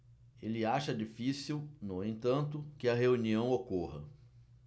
ele acha difícil no entanto que a reunião ocorra